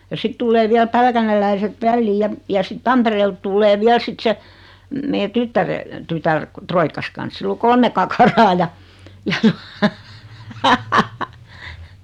ja sitten tulee vielä pälkäneläiset väliin ja ja sitten Tampereelta tulee vielä sitten se meidän tyttären tytär roikkansa kanssa sillä on kolme kakaraa ja ja tuo